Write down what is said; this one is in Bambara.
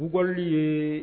Bukli ye